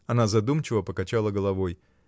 — Она задумчиво покачала головой.